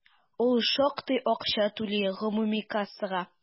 Ул шактый акча түли гомуми кассага.